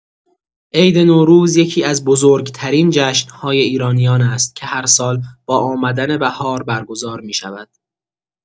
عید نوروز یکی‌از بزرگ‌ترین جشن‌های ایرانیان است که هر سال با آمدن بهار برگزار می‌شود.